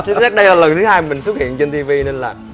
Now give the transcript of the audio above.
chính xác đây là lần thứ hai mình xuất hiện trên ti vi nên là